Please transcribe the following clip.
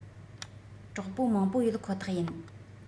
གྲོགས པོ མང པོ ཡོད ཁོ ཐག ཡིན